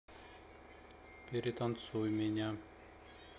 перетанцуй меня